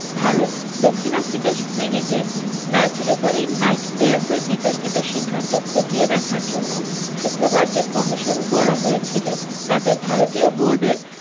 ভারত দক্ষিণ আফ্রিকা সিরিজে match referee Mike ডেনেসের বিতর্কিত সিদ্ধান্ত খতিয়ে দেখার জন্য শুক্রবার যে কমিশন গড়া হয়েছিলো তাতে ভারতীয় বোরডের